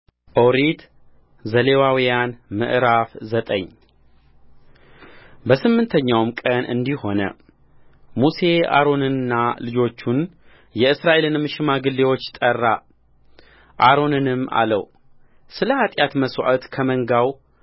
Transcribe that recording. ኦሪት ዘሌዋውያን ምዕራፍ ዘጠኝ በስምንተኛውም ቀን እንዲህ ሆነ ሙሴ አሮንንና ልጆቹን የእስራኤልንም ሽማግሌዎች ጠራአሮንንም አለው ስለ ኃጢአት መሥዋዕት ከመንጋው